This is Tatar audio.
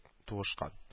Туышкан